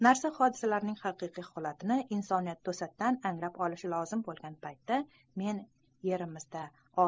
narsa hodisalarning haqiqiy holatini insoniyat to'satdan anglab olishi lozim bo'lgan paytda men yerimizda